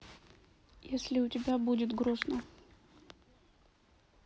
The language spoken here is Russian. если у тебя будет грустно